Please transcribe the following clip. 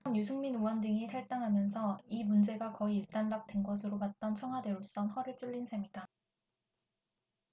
전날 밤 유승민 의원 등이 탈당하면서 이 문제가 거의 일단락된 것으로 봤던 청와대로선 허를 찔린 셈이다